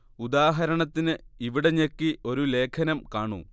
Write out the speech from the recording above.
ഉദാഹരണത്തിന് ഇവിടെ ഞെക്കി ഒരു ലേഖനം കാണൂ